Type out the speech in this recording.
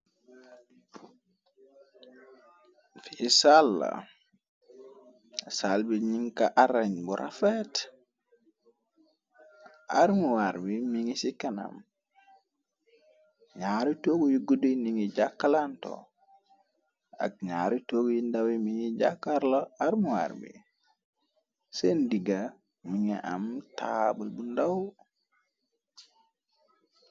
Fi salla, sàl bi ñin ka arañ bu rafet, armuwaar bi la mi ngi ci kanam, ñaari togu yu gudde ningi jàkkalanto, ak ñaari toogu yu ndawi mi ngi jàkkaarla armuar bi, seen digga mu ngi am taabal bu ndaw.